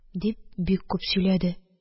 Дип, бик күп сөйләде